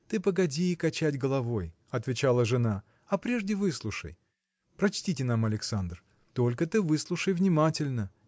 – Ты погоди качать головой, – отвечала жена, – а прежде выслушай. Прочтите нам, Александр. Только ты выслушай внимательно